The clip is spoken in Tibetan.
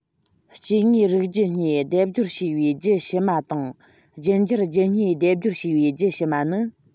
སྐྱེ དངོས རིགས རྒྱུད གཉིས སྡེབ སྦྱོར བྱས པའི རྒྱུད ཕྱི མ དང རྒྱུད འགྱུར རྒྱུད གཉིས སྡེབ སྦྱོར བྱས པའི རྒྱུད ཕྱི མ ནི